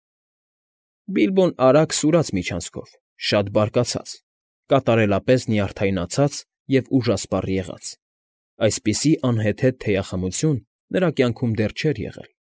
Բիլբոն արագ սուրաց միջանցքով, շատ բարկացած, կատարելապես նյարդայնացած և ուժասպառ եղած. այնպիսի անհեթեթ թեյախմություն նրա կյանքում դեռ չէր եղել։